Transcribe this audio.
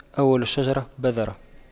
أول الشجرة بذرة